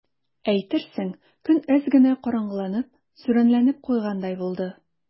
Әйтерсең, көн әз генә караңгыланып, сүрәнләнеп куйгандай булды.